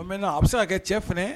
Maintenant a bɛ se ka kɛ cɛ fana